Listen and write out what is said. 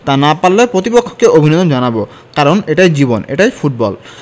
তা না পারলে প্রতিপক্ষকে অভিনন্দন জানাব কারণ এটাই জীবন এটাই ফুটবল